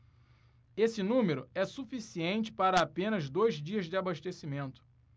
esse número é suficiente para apenas dois dias de abastecimento